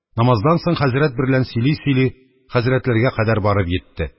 Намаздан соң хәзрәт берлән сөйли-сөйли, хәзрәтләргә кадәр барып йитте.